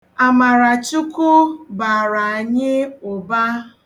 Amarachukwu baara anyị ụba.